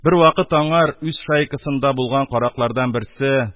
Бервакыт аңар үз шайкасында булган караклардан берсе: